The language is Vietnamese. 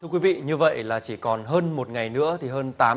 thưa quý vị như vậy là chỉ còn hơn một ngày nữa thì hơn tám